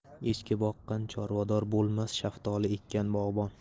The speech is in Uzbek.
echki boqqan chorvador bo'lmas shaftoli ekkan bog'bon